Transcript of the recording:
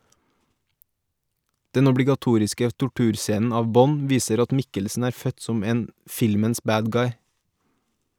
Den obligatoriske torturscenen av Bond viser at Mikkelsen er født som en filmens «bad guy».